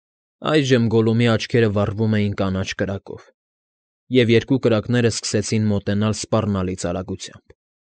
Այժմ Գոլլումի աչքերը վառվում էին կանաչ կրակով, և երկու կրակներն սկսեցին մոտենալ սպառնալից արագությամբ։